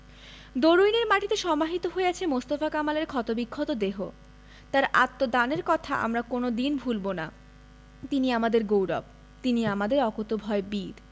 দরুইনের মাটিতে সমাহিত হয়ে আছে মোস্তফা কামালের ক্ষতবিক্ষত দেহ তাঁর আত্মদানের কথা আমরা কোনো দিন ভুলব না তিনি আমাদের গৌরব তিনি আমাদের অকুতোভয় বীর